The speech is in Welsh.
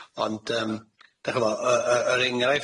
ond yym dach ch'mo', y y yr enghraifft